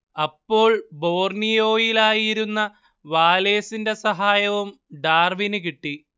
അപ്പോൾ ബോർണിയോയിലായിരുന്ന വാലേസിന്റെ സഹായവും ഡാർവിന് കിട്ടി